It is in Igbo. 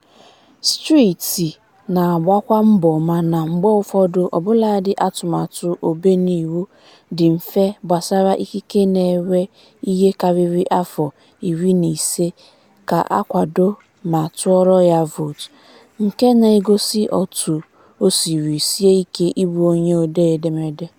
Steeti na-agbakwa mbọ mana mgbe ụfọdụ ọbụladị atụmatụ omebeiwu dị mfe gbasara ikike na-ewe ihe karịrị afọ 15 ka a kwado ma tụọrọ ya vootu, nke na-egosi otu o siri sie ike ịbụ onye odee edemede.